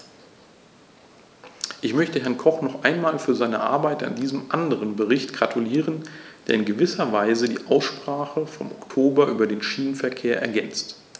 Ich möchte Herrn Koch noch einmal für seine Arbeit an diesem anderen Bericht gratulieren, der in gewisser Weise die Aussprache vom Oktober über den Schienenverkehr ergänzt.